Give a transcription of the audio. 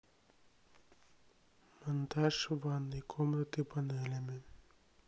монтаж ванной комнаты панелями